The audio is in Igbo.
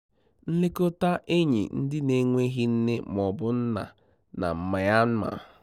Nlekọta enyi ndị n'enweghị nne mọọbụ nna na Myanmar.